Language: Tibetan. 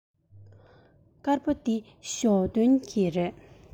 དཀར པོ འདི ཞའོ ཏོན གྱི རེད